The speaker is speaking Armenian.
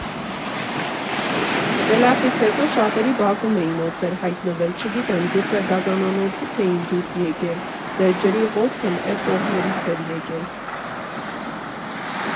Սելավից հետո շատերի բակում էին օձեր հայտնվել, չգիտեմ, գուցե գազանանոցից էին դուրս եկել, դե ջրի հոսքն էդ կողմերից էր եկել։